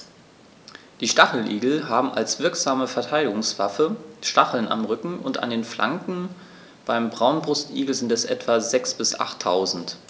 Die Stacheligel haben als wirksame Verteidigungswaffe Stacheln am Rücken und an den Flanken (beim Braunbrustigel sind es etwa sechs- bis achttausend).